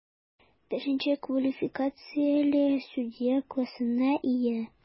Беренче квалификацияле судья классына ия.